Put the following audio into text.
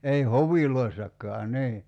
ei hoveissakaan niin